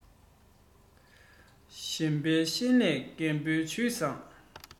གཞོན པའི ཤེད ལས རྒན པོའི ཇུས བཟང